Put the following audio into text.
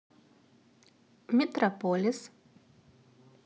метрополис